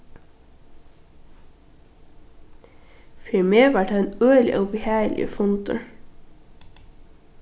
fyri meg var tað ein øgiliga óbehagiligur fundur